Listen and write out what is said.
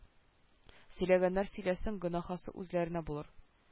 Сөйләгәннәр сөйләсен гөнаһысы үзләренә булыр